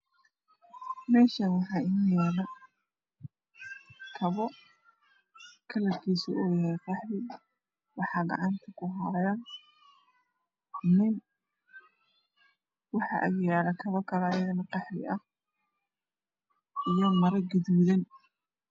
Meshani waxaa inoo yala kabo kalar koodu yahay qaxwi waxaa gacanta ku haya nin iyo kabo kale oo qaxwi ah